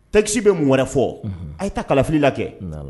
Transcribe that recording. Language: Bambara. Takisi bɛ mun wɛrɛ fɔ a ye ta kalafililila kɛ